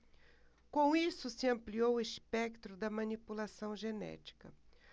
com isso se ampliou o espectro da manipulação genética